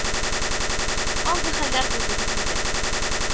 Андый хәлләр булды бит инде